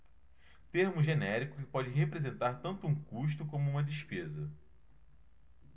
termo genérico que pode representar tanto um custo como uma despesa